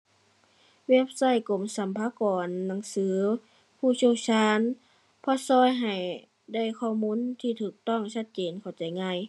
เว็บไซต์กรมสรรพากร หนังสือ ผู้เชี่ยวชาญ เพราะช่วยให้ได้ข้อมูลที่ช่วยต้อง ชัดเจน เข้าใจง่าย